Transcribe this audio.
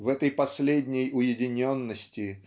в этой последней уединенности